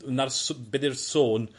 'na'r sw- be' 'di'r sôn.